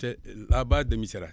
te la base de Missirah